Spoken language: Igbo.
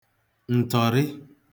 ǹtọ̀rị